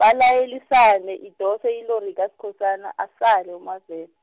balayelisane idose ilori kaSkhosana asale uMavela.